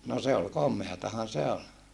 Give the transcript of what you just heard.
no se oli komeatahan se oli